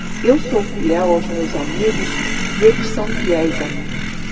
eu sou fiel aos meus amigos e eles são fiéis a mim